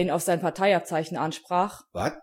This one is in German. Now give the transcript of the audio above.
auf sein Parteiabzeichen ansprach: „ Wat